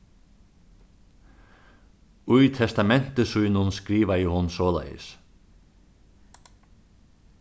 í testamenti sínum skrivaði hon soleiðis